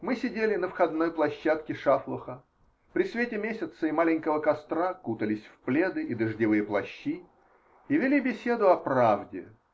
Мы сидели на входной площадке Шафлоха, при свете месяца и маленького костра кутались в пледы и дождевые плащи и вели беседу о правде.